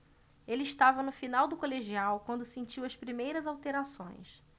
ele estava no final do colegial quando sentiu as primeiras alterações